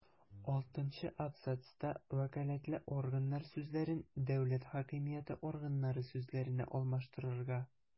Алтынчы абзацта «вәкаләтле органнар» сүзләрен «дәүләт хакимияте органнары» сүзләренә алмаштырырга;